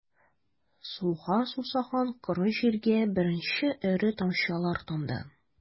Суга сусаган коры җиргә беренче эре тамчылар тамды...